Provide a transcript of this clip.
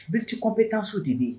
Multi compétences de be yen.